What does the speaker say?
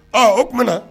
Ɔ o tumaumana na